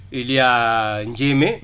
il y' a Ndiémé